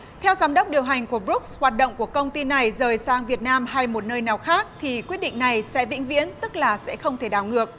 theo giám đốc điều hành của bờ rúc hoạt động của công ty này dời sang việt nam hay một nơi nào khác thì quyết định này sẽ vĩnh viễn tức là sẽ không thể đảo ngược